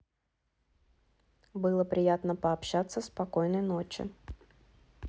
было приятно пообщаться спокойной ночи